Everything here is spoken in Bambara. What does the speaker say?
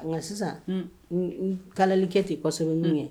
Nka sisan kalalikɛ tɛ kɔsɔ ninnu kɛ